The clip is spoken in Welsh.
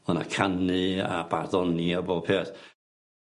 O' 'na canu a barddoni a bob peth.